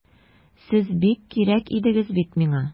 Сез бик кирәк идегез бит миңа!